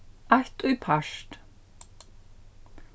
eitt í part